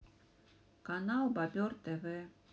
канал бобер тв